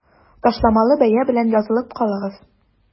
Ташламалы бәя белән язылып калыгыз!